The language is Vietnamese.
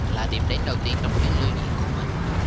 là điểm đến đầu tiên trong chuyến lưu diễn của mình